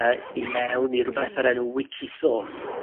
yy i mewn i rwbeth o'r enw Wiki Source.